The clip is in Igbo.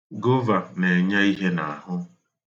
Gova na-enye ihe n'ahụ.